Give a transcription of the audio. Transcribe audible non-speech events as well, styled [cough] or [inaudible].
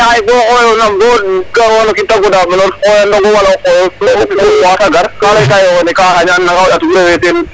Ndaa xaye bo xoyoona bo soɓoona o kiin ta godaa mene o ret xoya [unintelligible] wala o xoya [unintelligible] ta garka lay kaye oxene ka xañan yaam a ƭatum refee teen.